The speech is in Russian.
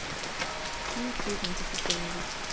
спи песенку какой нибудь